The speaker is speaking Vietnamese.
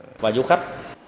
và du khách